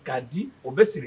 K'a di o bɛ siri